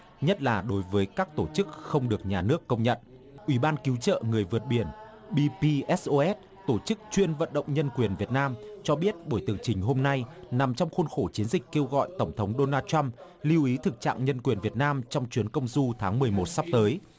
nhất là đối với các tổ chức không được nhà nước công nhận ủy ban cứu trợ người vượt biển bi pi ét ô ét tổ chức chuyên vận động nhân quyền việt nam cho biết buổi tường trình hôm nay nằm trong khuôn khổ chiến dịch kêu gọi tổng thống đô nan trăm lưu ý thực trạng nhân quyền việt nam trong chuyến công du tháng mười một sắp tới